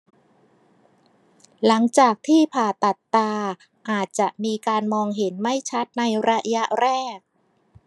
หลังจากที่ผ่าตัดตาอาจจะมีการมองเห็นไม่ชัดในระยะแรก